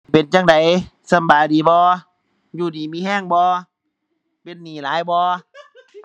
เป็นจั่งใด สำบายดีบ่ อยู่ดีมีแรงบ่ เป็นหนี้หลายบ่